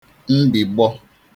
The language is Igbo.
mbigbọ